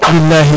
bilahi